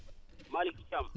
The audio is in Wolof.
Malick Thiam